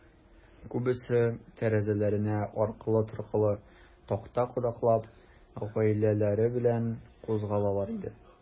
Күбесе, тәрәзәләренә аркылы-торкылы такта кадаклап, гаиләләре белән кузгалалар иде.